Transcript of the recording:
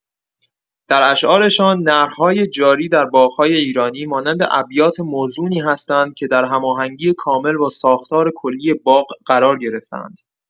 در اشعارشان، نهرهای جاری در باغ‌های ایرانی مانند ابیات موزونی هستند که در هماهنگی کامل با ساختار کلی باغ قرار گرفته‌اند.